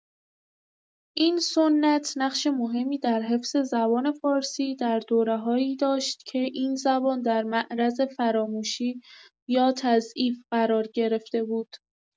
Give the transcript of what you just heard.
این سنت نقش مهمی در حفظ زبان فارسی در دوره‌هایی داشت که این زبان در معرض فراموشی یا تضعیف قرار گرفته بود.